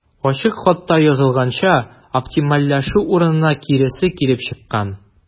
Ачык хатта язылганча, оптимальләшү урынына киресе килеп чыккан.